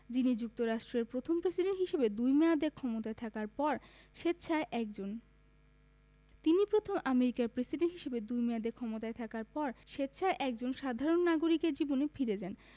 যিনি যুক্তরাষ্ট্রের প্রথম প্রেসিডেন্ট হিসেবে দুই মেয়াদ ক্ষমতায় থাকার পর স্বেচ্ছায় একজন তিনি প্রথম আমেরিকার প্রেসিডেন্ট হিসেবে দুই মেয়াদে ক্ষমতায় থাকার পর স্বেচ্ছায় একজন সাধারণ নাগরিকের জীবনে ফিরে যান